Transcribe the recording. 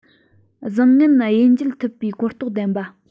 བཟང ནམ དབྱེ འབྱེད ཐུབ པའི གོ རྟོགས ལྡན པ